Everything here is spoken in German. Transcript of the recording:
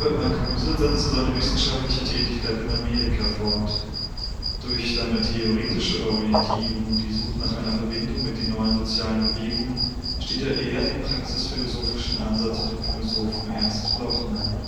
Marcuse setzte seine wissenschaftliche Tätigkeit in Amerika fort. Durch seine theoretische Orientierung und die Suche nach einer Verbindung mit den neuen sozialen Bewegungen steht er eher dem praxisphilosophischen Ansatz und dem Philosophen Ernst Bloch nahe